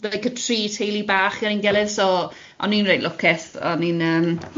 Jyst like y tri teulu bach gyda'n gilydd, so o'n i'n reit lwcus, o'n i'n yym.